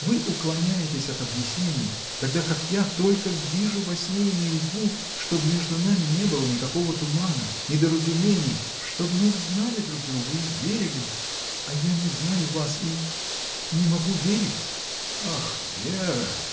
Вы уклоняетесь от объяснений, тогда как я только вижу во сне и наяву, чтоб между нами не было никакого тумана, недоразумений, чтоб мы узнали друг друга и верили. А я не знаю вас и. не могу верить! — Ах, Вера!